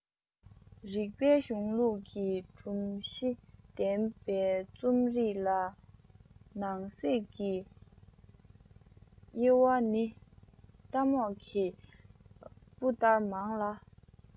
རིག པའི གཞུང ལུགས ཀྱི སྒྲོམ གཞི ལྡན པའི རྩོམ རིག ལ ནང གསེས ཀྱི དབྱེ བ ནི རྟ མོག གི སྤུ ལྟར མང ལ